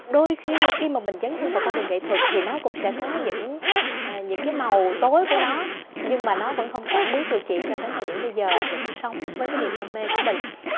đôi khi khi mà mình dấn thân vào con đường nghệ thuật thì nó cũng sẽ có những những cái màu tối của nó nhưng mà nó vẫn không cản bước được chị cho đến thời điểm bây giờ vẫn sống với cái niềm đam mê của mình